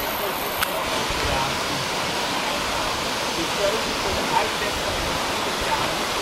positioning-operaties. De keuze voor de uitleg van de machinekamer